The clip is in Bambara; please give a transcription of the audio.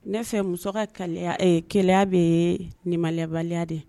Ne fɛ muso ka gɛlɛyaya bɛ ye ninlɛbaliya de